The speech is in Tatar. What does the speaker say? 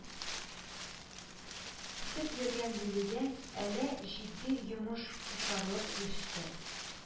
Көтеп йөргән лилия әле җитди йомыш кушарлык яшьтә